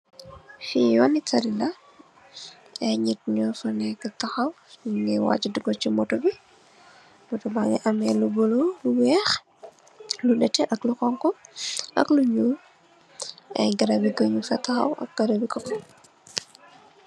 Fi yooni tali la ay nit ñu fa nèkka taxaw, ñu ngee waja duga ci motto bi, moto ba ngi ameh lu bula, lu wèèx, lu netteh ak lu xonxu, ak lu ñuul, ay garabi guy ñing fa taxaw ak garabi koko.